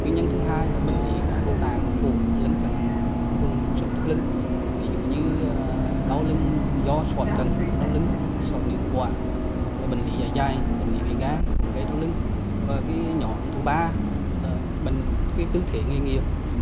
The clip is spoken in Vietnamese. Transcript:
nguyên nhân thứ hai là bệnh lý các cái tạng phủ mà lân cận ở vùng cột sống thắt lưng ví dụ như ờ đau lưng do sỏi thận cũng đau lưng sỏi niệu quản hoặc là bệnh lý dạ dày bệnh lý về gan cùng gây đau lưng và cái nhóm tư ba là bệnh cái tư thế nghề nghiệp